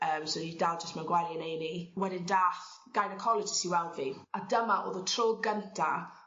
Yym so o'n i dal jyst mewn gwely yn Ay an' Ee wedyn dath gynecologist i weld fi a dyma o'dd y tro gynta